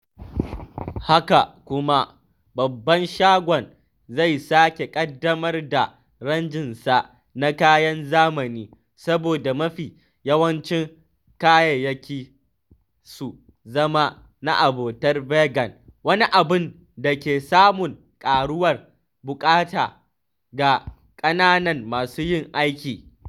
Haka kuma babban shagon zai sake ƙaddamar da ranjinsa na kayan zamani saboda mafi yawancin kayayyakin su zama na abotar vegan - wani abin da ke samun ƙaruwar buƙata ga kananan masu yin ciniki.